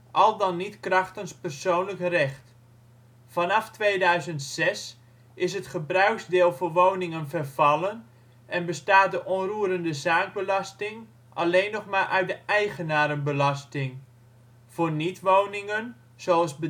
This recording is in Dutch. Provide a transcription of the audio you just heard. al dan niet krachtens persoonlijk recht. Vanaf 2006 is het gebruikersdeel voor woningen vervallen en bestaat de onroerendezaakbelasting alleen nog maar uit de eigenarenbelasting. Voor niet-woningen, zoals bedrijfspanden